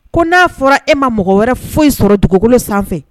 Ko n'a fɔra e ma mɔgɔ wɛrɛ foyisi sɔrɔ dugukolo sanfɛ